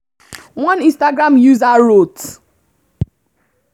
One Instagram user wrote: